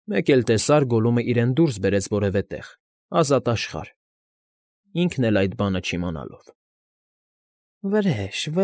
Մեկ էլ տեսար, Գոլլումն իրեն դուրս բերեց սորևէ տեղ, ազատ աշխարհը, ինքն էլ այդ բանը չիմանալով։ ֊ Վրեժ։